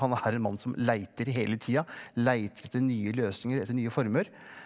han er en mann som leiter hele tida leiter etter nye løsninger etter nye former.